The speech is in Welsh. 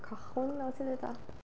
Cochlan, fel 'na ti'n ddeud o?